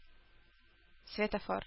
Светофор